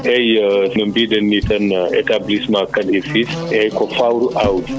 eeyi no mbiiɗen ni tan no établissement Kane et fils eeyi ko fawru aawdi